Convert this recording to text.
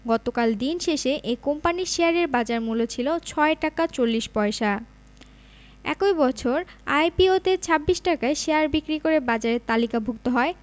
গতকাল দিন শেষে এ কোম্পানির শেয়ারের বাজারমূল্য ছিল ৬ টাকা ৪০ পয়সা একই বছর আইপিওতে ২৬ টাকায় শেয়ার বিক্রি করে বাজারে তালিকাভুক্ত হয়